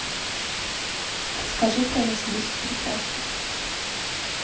расскажи про василису прекрасную